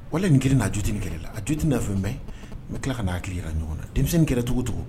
Walahi nin kelen in na jo tɛ nin kɛlɛ na, a jo tɛ nin na mais n bɛ tila k'a n'a hakili jira ɲɔgɔn na denmisɛnnin kɛra cogo o cogo